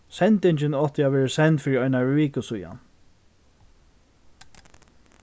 sendingin átti at verið send fyri einari viku síðani